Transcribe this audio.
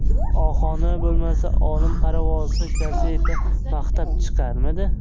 ohoni bo'lmasa olim parovozni gazeta maqtab chiqarmidi